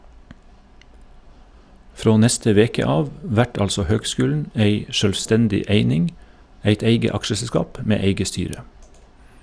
Frå neste veke av vert altså høgskulen ei sjølvstendig eining, eit eige aksjeselskap med eige styre.